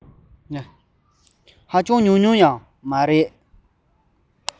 ཉུང ཉུང ཡང མིན